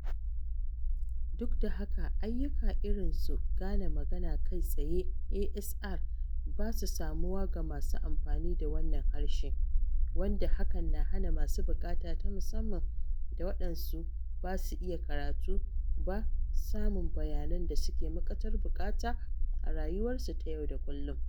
Duk da haka, ayyuka irinsu gane magana kai tsaye (ASR) ba su samuwa ga masu amfani da wannan harshe, wanda hakan na hana masu buƙata ta musamman da waɗanda ba su iya karatu ba samun bayanan da suke matuƙar buƙata a rayuwarsu ta yau da kullum.